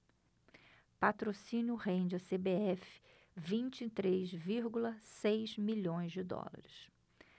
patrocínio rende à cbf vinte e três vírgula seis milhões de dólares